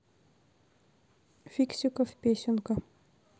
фиксиков песенка